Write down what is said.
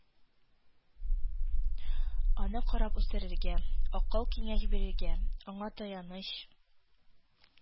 Аны карап үстерергә, акыл-киңәш бирергә, аңа таяныч